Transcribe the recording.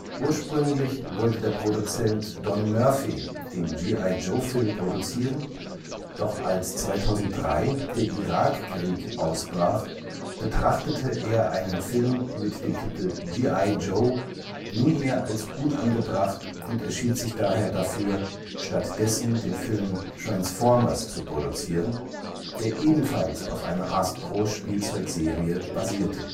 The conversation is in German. Ursprünglich wollte der Produzent Don Murphy den „ G.I.-Joe “- Film produzieren, doch als 2003 der Irakkrieg ausbrach, betrachtete er einen Film mit dem Titel G.I. Joe nunmehr als unangebracht und entschied sich daher dafür, stattdessen den Film Transformers zu produzieren, der ebenfalls auf einer Hasbro-Spielzeugserie basierte